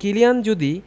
Kylian যদি